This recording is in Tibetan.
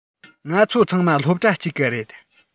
ང ཚོ ཚང མ སློབ གྲྭ གཅིག གི རེད